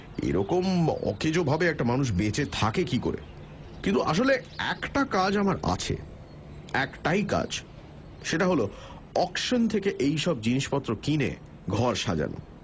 এরকম অকেজোভাবে একটা মানুষ বেঁচে থাকে কী করে কিন্তু আসলে একটা কাজ আমার আছে একটাই কাজসেটা হল অকশন থেকে এইসব জিনিসপত্র কিনে ঘর সাজানো